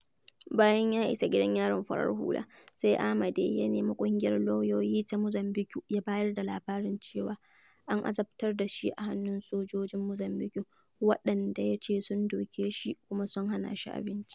Bayan ya isa gidan yarin farar hula, sai Amade ya nemi ƙungiyar Lauyoyi ta Mozambiƙue ya bayar da labarin cewa an azabtar da shi a hannun sojojin Mozambiƙue, waɗanda ya ce sun doke shi kuma sun hana shi abinci.